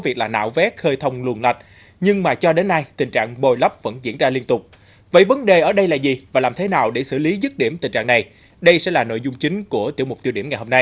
việc là nạo vét khơi thông luồng lạch nhưng mà cho đến nay tình trạng bồi lấp vẫn diễn ra liên tục vậy vấn đề ở đây là gì và làm thế nào để xử lý dứt điểm tình trạng này đây sẽ là nội dung chính của tiểu mục tiêu điểm ngày hôm nay